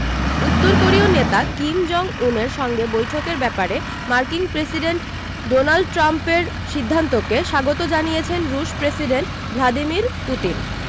উত্তর কোরীয় নেতা কিম জং উনের সঙ্গে বৈঠকের ব্যাপারে মার্কিন প্রেসিডেন্ট ডোনাল্ড ট্রাম্পের সিদ্ধান্তকে স্বাগত জানিয়েছেন রুশ প্রেসিডেন্ট ভ্লাদিমির পুতিন